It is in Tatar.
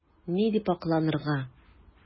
Ни дип акланырга?